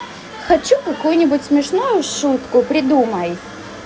хочу какую нибудь смешную шутку придумай